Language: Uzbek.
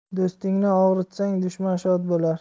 do'stni og'ritsang dushman shod bo'lar